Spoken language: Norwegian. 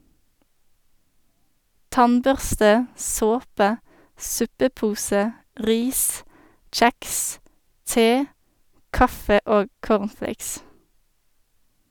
Tannbørste, såpe, suppepose , ris, kjeks, te, kaffe og cornflakes.